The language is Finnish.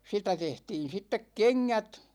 sitä tehtiin sitten kengät